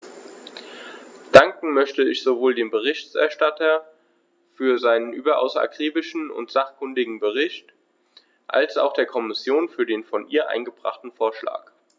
Danken möchte ich sowohl dem Berichterstatter für seinen überaus akribischen und sachkundigen Bericht als auch der Kommission für den von ihr eingebrachten Vorschlag.